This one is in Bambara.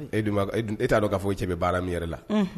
E e t'a dɔn'a fɔ o cɛ bɛ baara mi yɛrɛ la